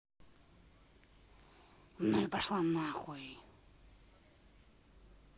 ну и пошла нахуй